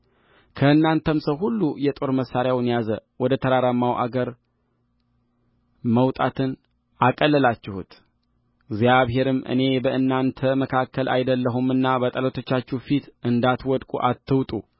ከእናንተም ሰው ሁሉ የጦር መሣሪያውን ያዘ ወደ ተራራማውም አገር መውጣትን አቀለላችሁትእግዚአብሔርም እኔ በእናንተ መካከል አይደለሁምና በጠላቶቻችሁ ፊት እንዳትወድቁ አትውጡ